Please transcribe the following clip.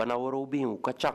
Bana wɛrɛ bɛ yen u ka ca